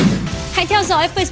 hãy theo dõi phây